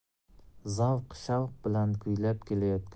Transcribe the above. zavq shavq bilan kuylab kelayotgan